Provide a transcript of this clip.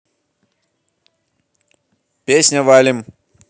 песню валим